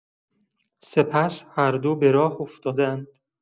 سپس هر دو به راه افتادند.